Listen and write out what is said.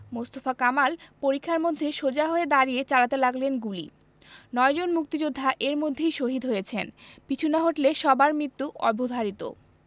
মোস্তফা কামাল পরিখার মধ্যে সোজা হয়ে দাঁড়িয়ে চালাতে লাগলেন গুলি নয়জন মুক্তিযোদ্ধা এর মধ্যেই শহিদ হয়েছেন পিছু না হটলে সবার মৃত্যু অবধারিত